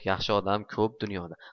yaxshi odam ko'p dunyoda